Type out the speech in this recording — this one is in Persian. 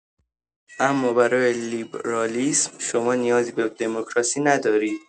اما برای لیبرالیسم شما نیازی به دموکراسی ندارید.